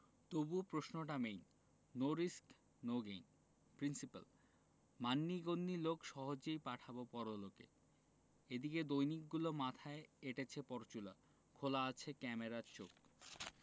তবুও প্রশ্নটা main no risk no gain principle মান্যিগন্যি লোক সহজেই পাঠাবো পরলোকে এদিকে দৈনিকগুলো মাথায় এঁটেছে পরচুলো খোলা আছে ক্যামেরার চোখ